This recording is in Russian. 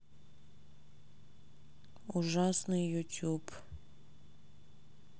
ужасный ютуб